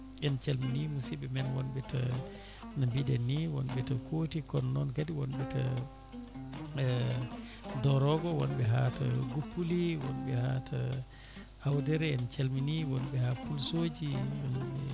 en calmini musibɓe men wonɓe to no mbiɗen ni wonɓe to Kooti kono noon kadi wonɓe to Dorgo wonɓe ha to Guppuli wonɓe ha to Hawdere en calmini wonɓe ha Kursoji